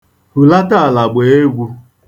Hulata ala gbaa egwu.